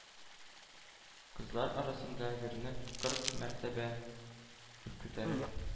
Кызлар арасында, герне кырк мәртәбә күтәреп,